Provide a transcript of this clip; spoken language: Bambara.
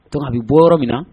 Tobi bɔ yɔrɔ minna na